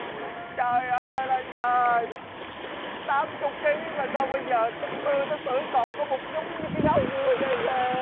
trời ơi là trời tám chục kí mà sao bây giờ tức tư tức tưởi còn có một nhúng như cái gáo dừa dậy nè